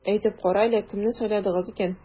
Әйтеп кара әле, кемне сайладыгыз икән?